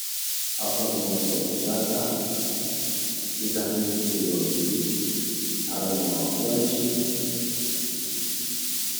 Afar mooto oo bajaaaj ah sadex midabkoodu waa guduud halna waa oranji